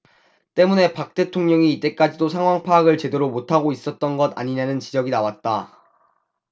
때문에 박 대통령이 이때까지도 상황 파악을 제대로 못하고 있었던 것 아니냐는 지적이 나왔다